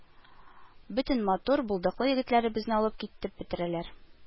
Бөтен матур, булдыклы егетләребезне алып китеп бетерәләр